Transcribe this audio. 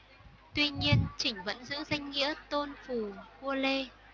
tuy nhiên chỉnh vẫn giữ danh nghĩa tôn phù vua lê